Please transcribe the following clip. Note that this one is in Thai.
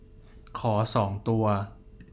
ขอสองตัว